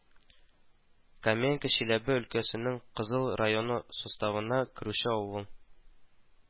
Каменка Чиләбе өлкәсенең Кызыл районы составына керүче авыл